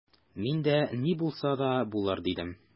Мин дә: «Ни булса да булыр»,— дидем.